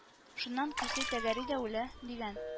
Шуннан күсе тәгәри дә үлә, – дигән